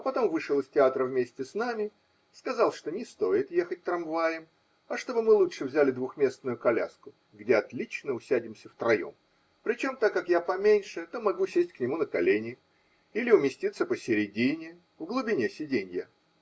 потом вышел из театра вместе с нами, сказал, что не стоит ехать трамваем, а чтобы мы лучше взяли двухместную коляску, где отлично усядемся втроем, причем, так как я поменьше, то могу сесть к нему на колени или уместиться посередине, в глубине сиденья